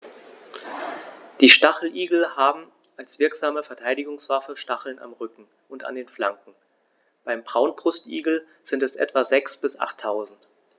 Die Stacheligel haben als wirksame Verteidigungswaffe Stacheln am Rücken und an den Flanken (beim Braunbrustigel sind es etwa sechs- bis achttausend).